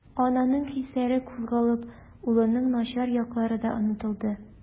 Ананың хисләре кузгалып, улының начар яклары да онытылды.